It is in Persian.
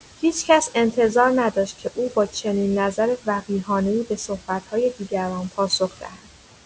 هیچ‌کس انتظار نداشت که او با چنین نظر وقیحانه‌ای به صحبت‌های دیگران پاسخ دهد.